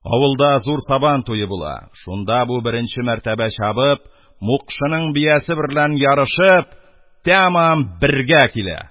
Авылда зур сабан туе була, шунда бу беренче мәртәбә чабып, мукшының биясе берлән ярышып, тәмам бергә килә.